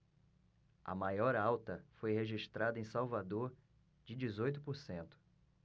a maior alta foi registrada em salvador de dezoito por cento